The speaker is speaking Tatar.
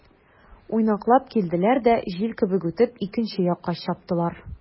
Уйнаклап килделәр дә, җил кебек үтеп, икенче якка чаптылар.